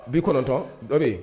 Bi kɔnɔntɔn dɔ ye